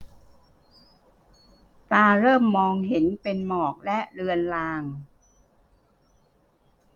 ตาเริ่มมองเห็นเป็นหมอกและเลือนลาง